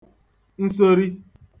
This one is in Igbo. nsori